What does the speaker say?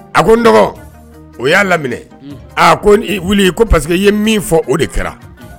A ko n dɔgɔ o y'a laminɛ . Aa ko i wuli ko parceque i ye min fɔ o de kɛra.